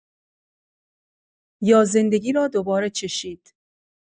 یا زندگی را دوباره چشید؟